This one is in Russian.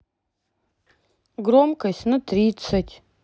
громкость на тридцать